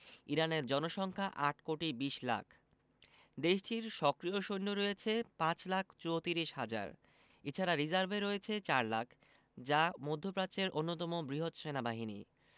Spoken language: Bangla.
ইরানের জনসংখ্যা ৮ কোটি ২০ লাখ দেশটির সক্রিয় সৈন্য রয়েছে ৫ লাখ ৩৪ হাজার এ ছাড়া রিজার্ভে রয়েছে ৪ লাখ যা মধ্যপ্রাচ্যের অন্যতম বৃহৎ সেনাবাহিনী